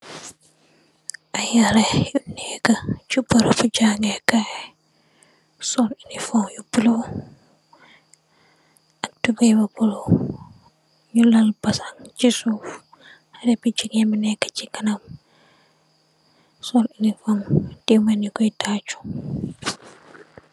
Ay hale yu nekk si barabu jangekaay, sol elifom yu bula, ak tubay bu bula, nyun lal basang si suuf, hale bu jigeen bu neka si kanam, sol elifom te menni ki tacu.